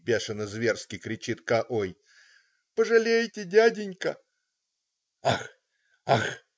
"- бешено-зверски кричит К-ой. "Пожалейте, дяденька!" Ах! Ах!